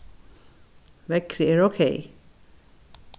veðrið er ókey